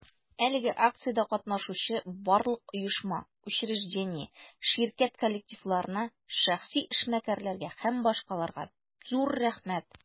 Әлеге акциядә катнашучы барлык оешма, учреждение, ширкәт коллективларына, шәхси эшмәкәрләргә һ.б. зур рәхмәт!